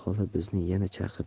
xola bizni yana chaqirdi